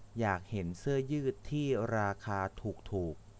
อยากเห็นเสื้อยืดที่ราคาถูกถูก